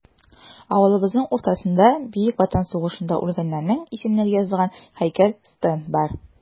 Авылыбызның уртасында Бөек Ватан сугышында үлгәннәрнең исемлеге язылган һәйкәл-стенд бар.